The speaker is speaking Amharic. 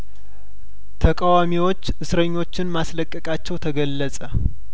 ተቃዋሚዎች እስረኞችን ማስለቀቃቸው ተገለጸ